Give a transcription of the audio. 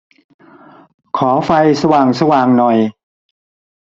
ขอไฟสว่างสว่างหน่อย